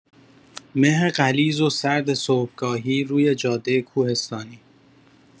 مه غلیظ و سرد صبحگاهی روی جاده کوهستانی